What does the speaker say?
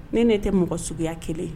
Ne ne tɛ mɔgɔ suguya kelen